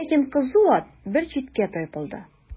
Ләкин кызу ат бер читкә тайпылды.